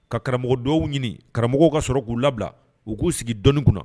Ka karamɔgɔ dugawu ɲini karamɔgɔw ka sɔrɔ k'u labila u k'u sigi dɔɔni kunna.